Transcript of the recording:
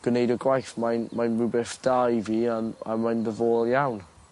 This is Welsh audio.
gneud y gwaith mae'n mae'n rwbeth da i fi a n- a mae'n diddorol iawn.